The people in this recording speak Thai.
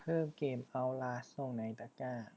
เพิ่มเกมเอ้าลาสลงในตะกร้า